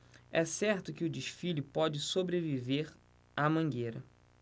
é certo que o desfile pode sobreviver à mangueira